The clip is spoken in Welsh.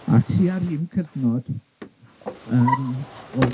A tua'r un cyfnod yym o'dd...